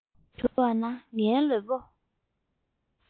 གྱུར བ ན ངའི ལུས པོ